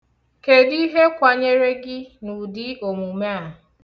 Kedu ihe kwanyere gị na ụdị omume a?